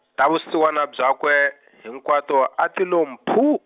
ta vusiwana byakwe, hinkwato, a ti lo mphuu.